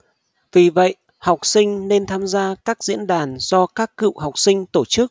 vì vậy học sinh nên tham gia các diễn đàn do các cựu học sinh tổ chức